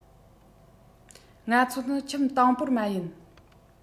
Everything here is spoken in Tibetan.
ང ཚོ ནི ཁྱིམ དང པོར མ ཡིན